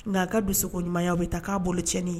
Nka a ka dusukun ɲumanya o bɛ taa k'a bolo ceni ye.